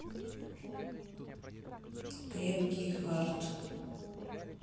крепкий хард